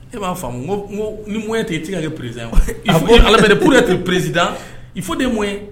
E ma famu n go ni t moyen te yen,e ti se ka kɛ président ye wa a ko ala peresid pour être président, il faut des moyens